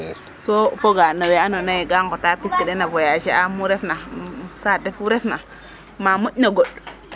so foga no we ando naye ka ŋota pis ke den a voyager a mu ref na saate fu ref na ma moƴ na ŋoɗ